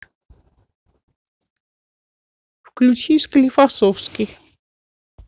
включи склифосовский